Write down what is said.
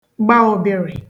gba ụbịrị̀